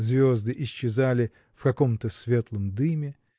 Звезды исчезали в каком-то светлом дыме